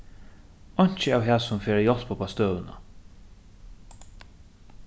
einki av hasum fer at hjálpa upp á støðuna